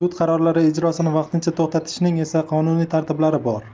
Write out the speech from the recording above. sud qarorlari ijrosini vaqtincha to'xtatishning esa qonuniy tartiblari bor